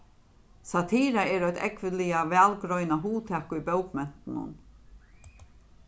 satira er eitt ógvuliga væl greinað hugtak í bókmentunum